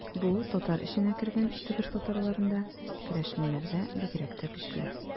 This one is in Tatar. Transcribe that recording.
Бу татар эченә кергән Себер татарларында, керәшеннәрдә бигрәк тә көчле.